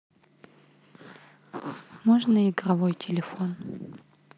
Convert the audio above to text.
можно игровой телефон